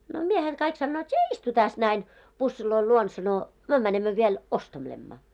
no miehet kaikki sanovat sinä istu tässä näin pussien luona sanoi me menemme vielä ostelemme